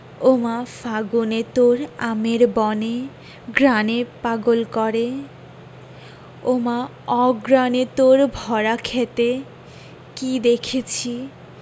ওমা ফাগুনে তোর আমের বনে গ্রাণে পাগল করে ওমা অঘ্রানে তোর ভরা ক্ষেতে কী দেখেছি